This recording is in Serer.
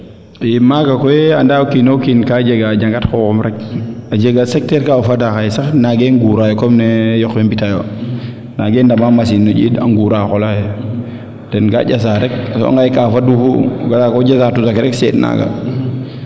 i maaga koy anda o kiino kiin lka jega jangat xoxum rek a jega secteur ka o fada xaye sax naange muura yo comme ne yoqe mbita yo nange ndama machine it a nguura xa qoɓa xe ten kaa njasa rek ɓa soɓanga ye gara rek njasa sag seen naaga